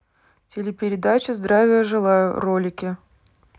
телепередача здравия желаю ролики